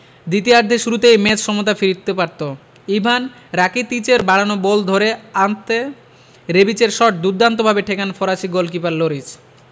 দ্বিতীয়ার্ধের শুরুতেই ম্যাচে সমতা ফিরতে পারত ইভান রাকিতিচের বাড়ানো বল ধরে আন্তে রেবিচের শট দুর্দান্তভাবে ঠেকান ফরাসি গোলকিপার লরিস